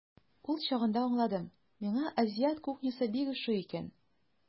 Ул чагында аңладым, миңа азиат кухнясы бик ошый икән.